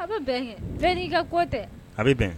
A bɛn bɛn n'i ka ko tɛ a bɛ bɛn